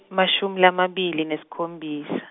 emashumi lamabili nesikhombisa.